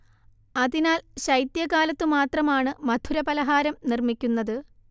അതിനാൽ ശൈത്യകാലത്തു മാത്രമാണ് മധുരപലഹാരം നിർമ്മിക്കുന്നത്